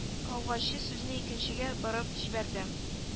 Гаугачы сүзне икенчегә борып җибәрде